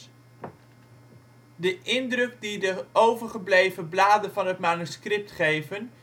indruk die de overgebleven bladen van het manuscript geven